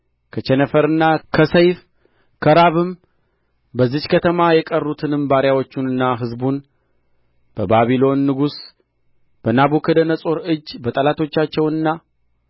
ከቸነፈርና ከሰይፍ ከራብም በዚህች ከተማ የቀሩትንም ባሪዎቹንና ሕዝቡን በባቢሎን ንጉሥ በናቡከደነፆር እጅ በጠላቶቻቸውና